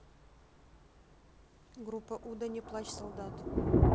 группа удо не плачь солдат